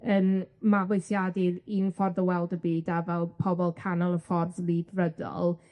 yn mabwysiadu'r un ffordd o weld y byd a fel pobol canol y ffordd Rydfrydol